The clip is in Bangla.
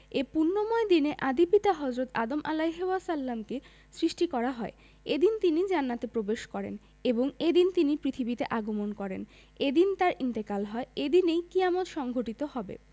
এ পুণ্যময় দিনে আদি পিতা হজরত আদম আ কে সৃষ্টি করা হয় এদিন তিনি জান্নাতে প্রবেশ করেন এবং এদিন তিনি পৃথিবীতে আগমন করেন এদিন তাঁর ইন্তেকাল হয় এদিনেই কিয়ামত সংঘটিত হবে